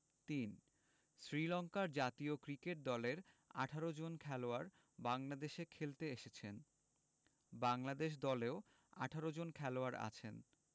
৩ শ্রীলংকার জাতীয় ক্রিকেট দলের ১৮ জন খেলোয়াড় বাংলাদেশে খেলতে এসেছেন বাংলাদেশ দলেও ১৮ জন খেলোয়াড় আছেন